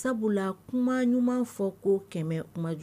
Sabula kuma ɲuman fɔko kɛmɛ kumaju